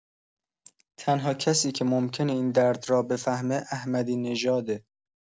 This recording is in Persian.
تنها کسی که ممکنه این درد را بفهمه احمدی‌نژاده.